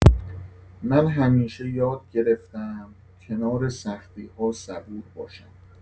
من هم همیشه یاد گرفته‌ام کنار سختی‌ها صبور باشم.